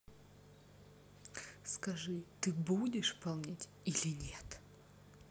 скажи ты будешь полнеть или нет